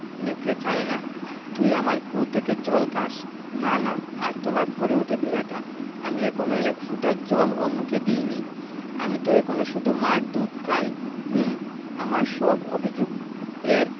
নেকড়ে ছাড়ে না তুই আমার কুয়ো থেকে জল খাস না না আর্তনাদ করে ওঠে ভেড়াটা আমি এখনো এক ফোঁটা জল ও মুখে দিইনি আমি ত এখনো শুধু মার দুধ খাই হুম আমার সব অভিযোগ এর